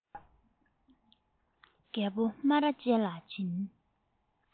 རྒད པོ སྨ ར ཅན ལ བྱིན